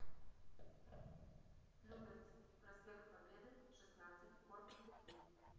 люберцы проспект победы шестнадцать корпус три